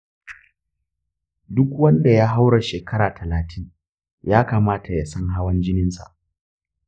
duk wanda ya haura shekara talatin ya kamata ya san hawan jininsa.